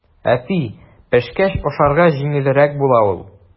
Әти, пешкәч ашарга җиңелрәк була ул.